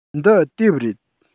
འདི དེབ རེད